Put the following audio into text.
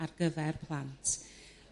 ar gyfer plant.